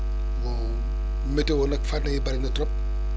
bon météo nag fànn yi bëri na trop